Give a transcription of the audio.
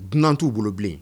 Dunan t'u bolobilen